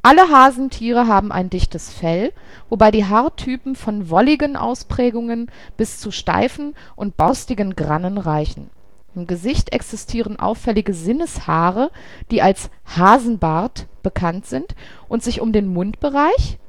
Hasentiere haben ein dichtes Fell, wobei die Haartypen von wolligen Ausprägungen bis zu steifen und borstigen Grannen reichen. Im Gesicht existieren auffällige Sinneshaare, die als „ Hasenbart “bekannt sind und sich um den Mundbereich